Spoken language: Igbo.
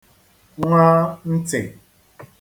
ṅaa ntị̀